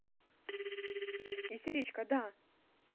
истеричка да